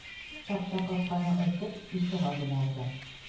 Такта капканы ачып ишегалдына узам.